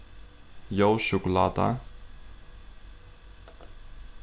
ljós sjokuláta